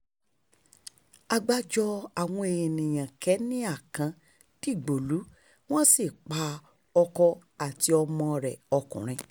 Àgbájọ àwọn ènìyànkéènìà kan dìgbò lù ú, wọ́n sì pa ọkọ àti ọmọ rẹ̀ ọkùnrin.